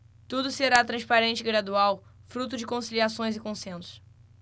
tudo será transparente e gradual fruto de conciliações e consensos